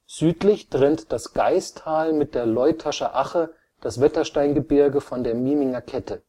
Südlich trennt das Gaistal mit der Leutascher Ache das Wettersteingebirge von der Mieminger Kette